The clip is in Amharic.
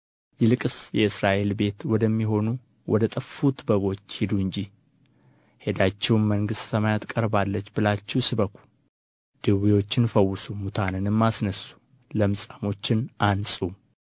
ይልቅስ የእስራኤል ቤት ወደሚሆኑ ወደ ጠፉት በጎች ሂዱ እንጂ ሄዳችሁም መንግሥተ ሰማያት ቀርባለች ብላችሁ ስበኩ ድውዮችን ፈውሱ ሙታንን አስነሡ ለምጻሞችን አንጹ